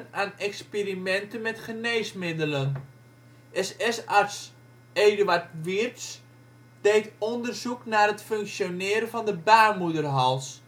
aan experimenten met geneesmiddelen. SS-arts Eduard Wirths deed onderzoek naar het functioneren van de baarmoederhals